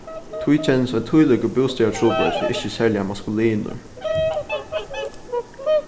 tí kennist ein tílíkur bústaðartrupulleiki ikki serliga maskulinur